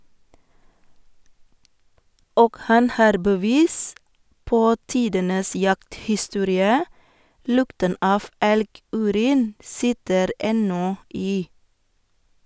Og han har bevis på tidenes jakthistorie - lukten av elgurin sitter ennå i.